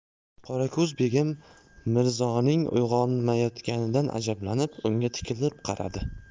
qorako'z begim mirzoning uyg'onmayotganidan ajablanib unga tikilib qaradi